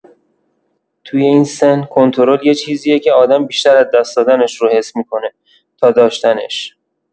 توی این سن، کنترل یه چیزیه که آدم بیشتر از دست دادنش رو حس می‌کنه تا داشتنش.